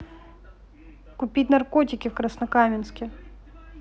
купить наркотики в краснокаменске